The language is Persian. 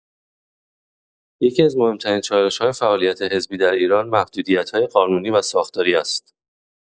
یکی‌از مهم‌ترین چالش‌های فعالیت حزبی در ایران، محدودیت‌های قانونی و ساختاری است.